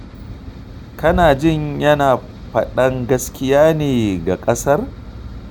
“Kana jin yana faɗan gaskiya ne ga ƙasar?